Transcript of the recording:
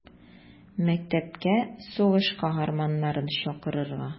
Мәктәпкә сугыш каһарманнарын чакырырга.